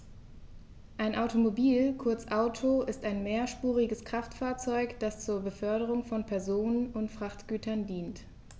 Ein Automobil, kurz Auto, ist ein mehrspuriges Kraftfahrzeug, das zur Beförderung von Personen und Frachtgütern dient.